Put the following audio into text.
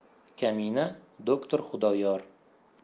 kamina doktor xudoyor